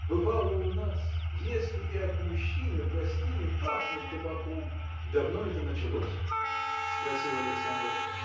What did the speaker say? Бывало, у нас, если и от мужчины в гостиной пахнет табаком. – Давно это началось? – спросил Александр.